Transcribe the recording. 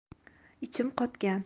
ichim qotgan